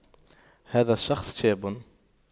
هذا الشخص شاب